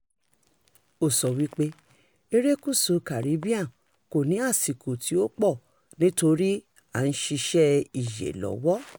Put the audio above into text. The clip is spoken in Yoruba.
Ó sọ wípé, erékùṣù Caribbean, "kò ní àsìkò tí ó pọ̀ nítorí [à] ń ṣiṣẹ́ ìyè lọ́wọ́ ".